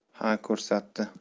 ha ko'rsatdi